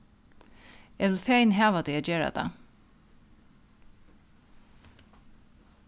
eg vil fegin hava teg at gera tað